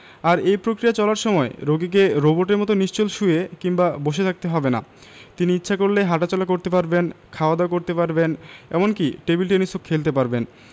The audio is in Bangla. আর এই প্রক্রিয়া চলার সময় রোগীকে রোবটের মতো নিশ্চল শুয়ে কিংবা বসে থাকতে হবে না তিনি ইচ্ছা করলে হাটাচলা করতে পারবেন খাওয়া দাওয়া করতে পারবেন এমনকি টেবিল টেনিসও খেলতে পারবেন